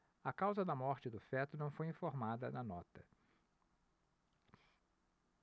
a causa da morte do feto não foi informada na nota